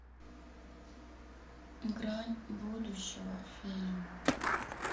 грань будущего фильм